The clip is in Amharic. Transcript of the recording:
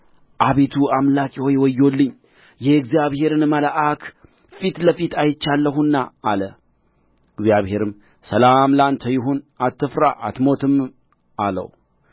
አቤቱ አምላኬ ሆይ ወዮልኝ የእግዚአብሔርን መልአክ ፊት ለፊት አይቻለሁና አለ እግዚአብሔርም ሰላም ለአንተ ይሁን አትፍራ አትሞትም አለው